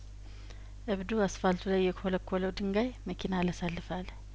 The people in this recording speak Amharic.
እብዱ አስፋልቱ ላይ የኰለኰለው ድንጋይመኪና አላሳልፍ አለ